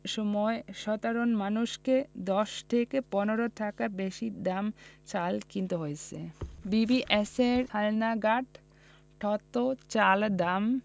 সময়ে সাধারণ মানুষকে ১০ থেকে ১৫ টাকা বেশি দামে চাল কিনতে হয়েছে বিবিএসের হালনাগাদ তথ্যে চালের দাম